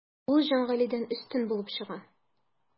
Ул Җангалидән өстен булып чыга.